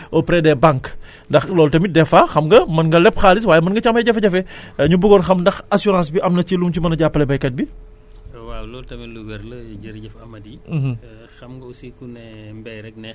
maanaam ñi nga xam ne des fois dañuy dañuy dañuy leb waaw muy accès au crédit au pès des banques ndax loolu tamit des fois xam nga mën nga leb xaalis waaye mën nga ci am ay jafe-jafe ñu buggoon xam ndax assurance bi am na ci lu mu ci mën a jàppale baykat bi